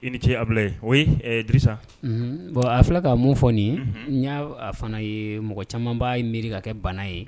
I ni ce Abulaye oui Dirisa bon a filɛ ka mun fɔ nin ye n y'a aa fana ye mɔgɔ caaman b'i miiri k'a kɛ bana ye.